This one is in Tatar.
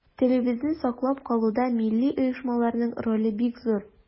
Телебезне саклап калуда милли оешмаларның роле бик зур.